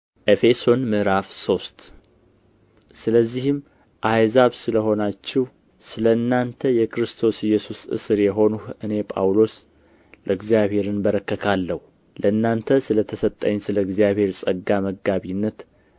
ኤፌሶን ምዕራፍ ሶስት ስለዚህም አሕዛብ ስለ ሆናችሁ ስለ እናንተ የክርስቶስ ኢየሱስ እስር የሆንሁ እኔ ጳውሎስ ለእግዚአብሔር እንበረከካለሁ ለእናንተ ስለ ተሰጠኝ ስለ እግዚአብሔር ጸጋ መጋቢነት